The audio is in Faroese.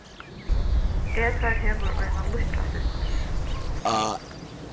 edvard hevur eina lítlasystur